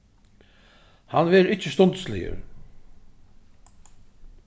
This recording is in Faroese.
hann verður ikki stundisligur